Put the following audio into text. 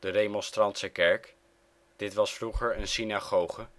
Remonstrantse kerk: Dit was vroeger een synagoge